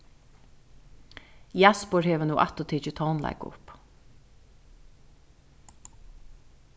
jaspur hevur nú aftur tikið tónleik upp